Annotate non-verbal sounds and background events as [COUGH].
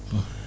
[HESITATION] [HESITATION]